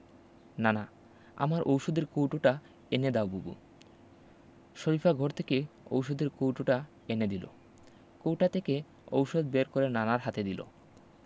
নানা আমার ঔষুধের কৌটোটা এনে দাও বুবু শরিফা ঘর থেকে ঔষধের কৌটোটা এনে দিল কৌটা থেকে ঔষধ বের করে নানার হাতে দিলো